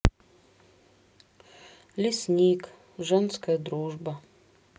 лесник женская дружба